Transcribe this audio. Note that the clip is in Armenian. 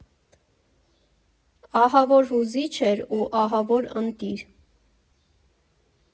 Ահավոր հուզիչ էր ու ահավոր ընտիր։